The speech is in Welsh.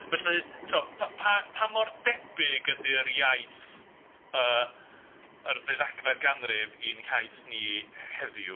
Felly tibod pa pa pa mor debyg ydi'r iaith yy yr ddeuddegfed ganrif i'n hiaith ni heddiw?